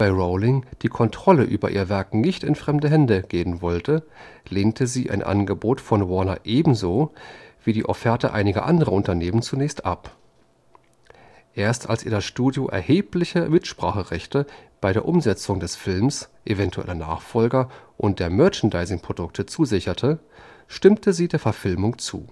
Rowling die Kontrolle über ihr Werk nicht in fremde Hände geben wollte, lehnte sie ein Angebot von Warner ebenso wie die Offerten einiger anderer Unternehmen zunächst ab. Erst als ihr das Studio erhebliche Mitspracherechte bei der Umsetzung des Films, eventueller Nachfolger und der Merchandising-Produkte zusicherte, stimmte sie der Verfilmung zu